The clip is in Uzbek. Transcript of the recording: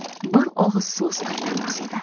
bir og'iz so'z qaytarmas edi